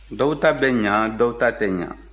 dɔw ta bɛ ɲɛ dɔw ta tɛ ɲɛ